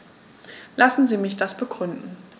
Lassen Sie mich das begründen.